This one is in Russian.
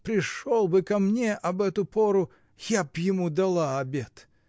Пришел бы ко мне об эту пору: я бы ему дала обед!